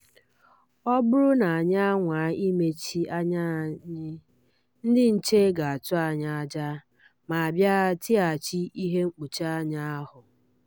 Ọ bụrụ na anyị anwaa imechi anya anyị, ndị nche ga-atụ anyị aja. Ma bịa tinyeghachi ihe mkpuchi anya ahụ.